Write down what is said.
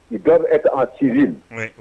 I da bɛ ka an sisiri